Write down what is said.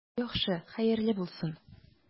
Яхшы, хәерле булсын.